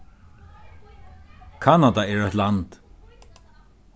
kanada er eitt land